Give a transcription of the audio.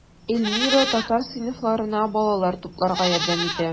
Эльмира татар сыйныфларына балалар тупларга ярдәм итә.